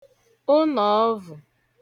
ụnọ̀ọvụ̀